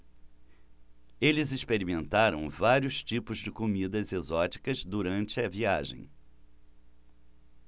eles experimentaram vários tipos de comidas exóticas durante a viagem